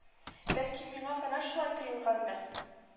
Бәлки миңа гына шулай тоелгандыр